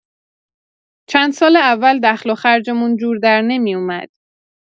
چند سال اول دخل‌وخرج‌مون جور درنمی‌اومد.